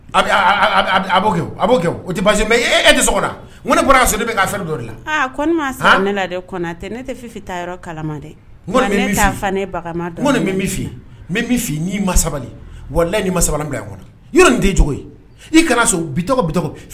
A kɛ a o tɛ basi e de ne bɔra ne' fɛ dɔ la ne latɛ ne tɛ fi ta yɔrɔ kalai ma sabali wala ni ma sabali bila kɔnɔ yɔrɔ nin tɛ cogo ye i kana so bi tɔgɔ bɛ